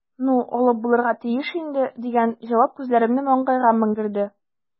"ну, алып булырга тиеш инде", – дигән җавап күзләремне маңгайга менгерде.